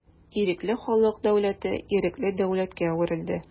Ирекле халык дәүләте ирекле дәүләткә әверелде.